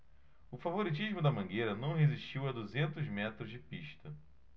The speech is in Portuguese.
o favoritismo da mangueira não resistiu a duzentos metros de pista